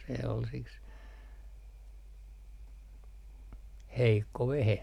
se oli siksi heikko vehje